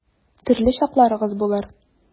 Төрле чакларыгыз булыр.